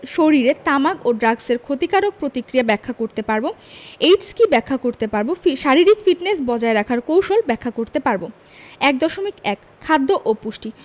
শরীরে তামাক ও ড্রাগসের ক্ষতিকারক প্রতিক্রিয়া ব্যাখ্যা করতে পারব এইডস কী ব্যাখ্যা করতে পারব শারীরিক ফিটনেস বজায় রাখার কৌশল ব্যাখ্যা করতে পারব ১.১ খাদ্য ও পুষ্টি